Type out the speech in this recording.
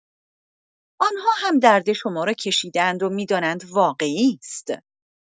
آن‌ها هم‌درد شما را کشیده‌اند و می‌دانند واقعی است.